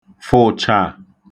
fụ̀chà